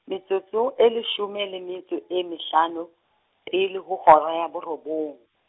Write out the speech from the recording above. metsotso e leshome le metso e mehlano pele ho hora ya borobong.